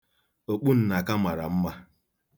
Okpu Nnaka mara mma.